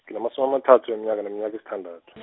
nginamasumi amathathu weminyaka neminyaka esithandathu.